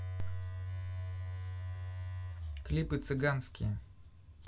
клипы цыганские